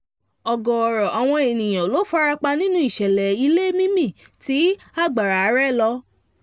Ọ̀gọ̀ọ̀rọ̀ àwọn ènìyàn ló farapa nínú ìṣẹ̀lẹ̀ ilẹ̀ mímì tí agbára rẹ̀ tó 7.6